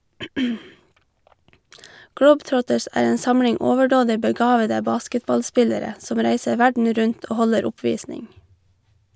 Globetrotters er en samling overdådig begavede basketballspillere som reiser verden rundt og holder oppvisning.